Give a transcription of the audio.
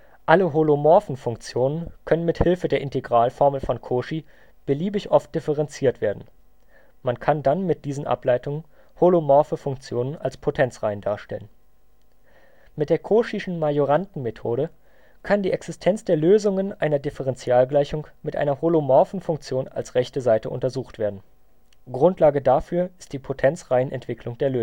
Alle holomorphen Funktionen können mit Hilfe der Integralformel von Cauchy beliebig oft differenziert werden. Man kann dann mit diesen Ableitungen holomorphe Funktionen als Potenzreihen darstellen. Mit der cauchyschen Majorantenmethode kann die Existenz der Lösungen einer Differentialgleichung mit einer holomorphen Funktion als rechte Seite untersucht werden. Grundlage dafür ist die Potenzreihenentwicklung der